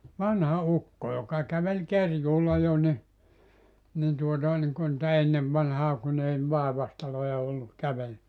vanha ukko joka käveli kerjuulla jo niin niin tuota niin kuin niitä ennen vanhaan kun ei vaivaistaloja ollut käveli